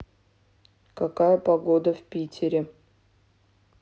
какая погода в питере